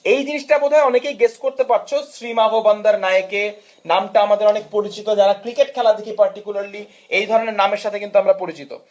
এই জিনিসটা বোধ হয় অনেকেই গেস করতে পারছ শ্রীমাভো বন্দরনায়েকে আমাদের অনেক পরিচিত যারা ক্রিকেট খেলা দেখি পর্টিকুলারলি এ ধরনের নামের সাথে কিন্তু আমার পরিচিত